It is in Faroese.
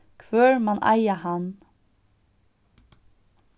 hvør man eiga hann